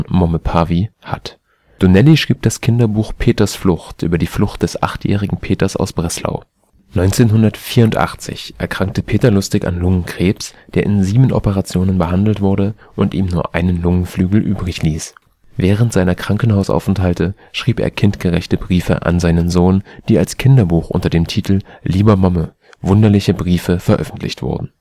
Momme Pavi) hat. Donnelly schrieb das Kinderbuch Peters Flucht über die Flucht des achtjährigen Peter aus Breslau. 1984 erkrankte Peter Lustig an Lungenkrebs, der in sieben Operationen behandelt wurde und ihm nur einen Lungenflügel übrig ließ. Während seiner Krankenhausaufenthalte schrieb er kindgerechte Briefe an seinen Sohn, die als Kinderbuch unter dem Titel Lieber Momme – Wunderliche Briefe veröffentlicht wurden